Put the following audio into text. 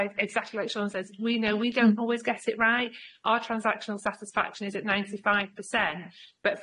like exactly like Shaun says we know we don't always get it right our transactional satisfaction is at ninety five percent but,